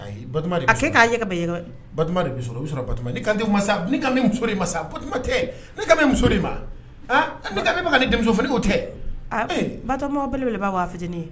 K'a de sɔrɔ o i bɛ kan masa tɛ ne muso ma aa ne ni denmusof o tɛ ba b'a wa a fitinin ye